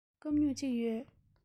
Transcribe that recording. སྐམ སྨྱུག གཅིག ཡོད